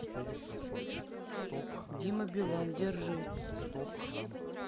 дима билан держи